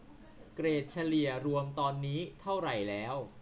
เกรดเฉลี่ยรวมตอนนี้เท่าไหร่แล้ว